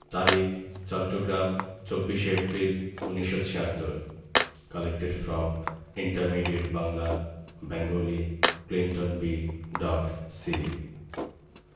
তারিখ চট্টগ্রাম ২৪শে April ১৯৭৬ collected from intermediate Bangla Bengali Clinton B dot Seely